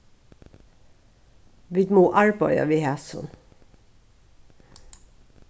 vit mugu arbeiða við hasum